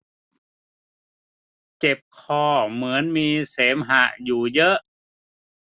เจ็บคอเหมือนมีเสมหะอยู่เยอะ